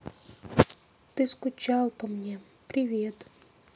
ты скучал по мне привет